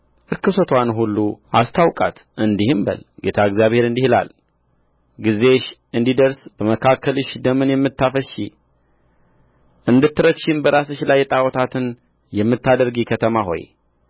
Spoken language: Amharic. ርኵሰትዋን ሁሉ አስታውቃት እንዲህም በል ጌታ እግዚአብሔር እንዲህ ይላል ጊዜሽ እንዲደርስ በመካከልሽ ደምን የምታፈስሺ እንድትረክሺም በራስሽ ላይ ጣዖታትን የምታደርጊ ከተማ ሆይ